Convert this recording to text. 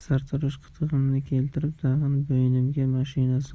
sartarosh qitig'imni keltirib tag'in bo'ynimga mashina soldi